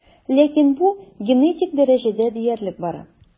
Ләкин бу генетик дәрәҗәдә диярлек бара.